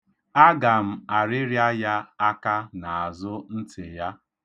Aga m arịrịa ya aka n'azụ ntị ya.